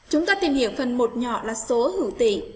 chúng ta tìm hiểu phần nhỏ là số hữu tỉ